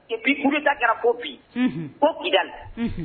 depuis coup d'etat kɛra fɔ bi, unhun, fɔ kida.